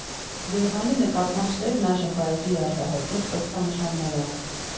Երևանի նկատմամբ սերն այժմ կարելի է արտահայտել կրծքանշաններով.